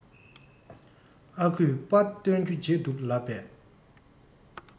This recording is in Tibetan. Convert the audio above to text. ཨ ཁུས པར བཏོན རྒྱུ བརྗེད འདུག ལབ པས